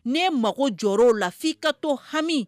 Ne mago jɔyɔrɔw lafin ii ka to hami